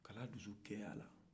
k'a la dusu cɛya la